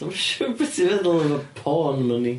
Dwi'm yn siŵr be' ti feddwl am y porn money?